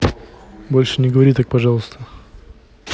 больше не говори так пожалуйста